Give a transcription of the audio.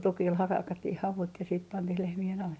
tukilla hakattiin havut ja sitten pantiin lehmien alle